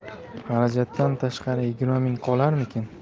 xarajatdan tashqari yigirma ming qolarmikin